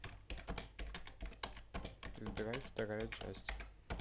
тест драйв вторая часть